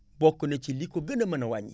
bokk na ci li ko gën a mën a wàññi